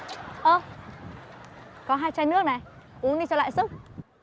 ơ có hai chai nước này uống đi cho lại sức